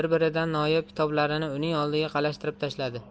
noyob kitoblarni uning oldiga qalashtirib tashladi